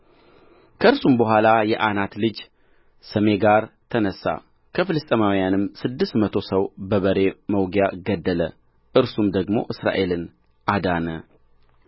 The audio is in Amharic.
ከእርሱም በኋላ የዓናት ልጅ ሰሜጋር ተነሣ ከፍልስጥኤማውያንም ስድስት መቶ ሰው በበሬ መውጊያ ገደለ እርሱም ደግሞ እስራኤልን አዳነ